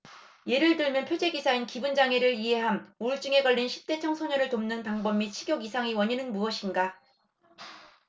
예를 들면 표제 기사인 기분 장애를 이해함 우울증에 걸린 십대 청소년을 돕는 방법 및 식욕 이상의 원인은 무엇인가